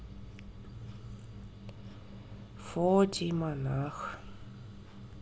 фотий монах